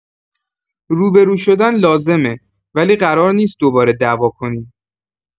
روبرو شدن لازمه، ولی قرار نیست دوباره دعوا کنین.